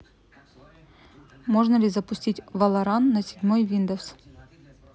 можно ли запустить валоран на седьмой виндовс